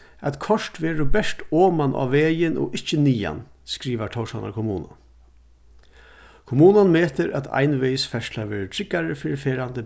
at koyrt verður bert oman á vegin og ikki niðan skrivar tórshavnar kommuna kommunan metir at einvegis ferðsla verður tryggari fyri ferðandi